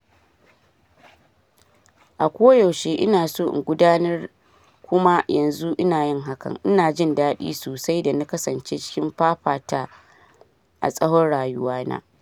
A koyaushe ina so in gudanar kuma yanzu ina yin hakan, ina jin dadi sosai da na kasance cikin fatata a tsawon rayuwana."